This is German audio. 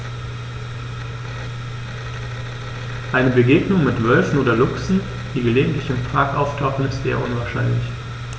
Eine Begegnung mit Wölfen oder Luchsen, die gelegentlich im Park auftauchen, ist eher unwahrscheinlich.